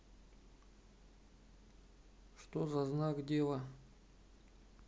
что за знак дева